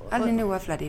Hali ne wa fila de ye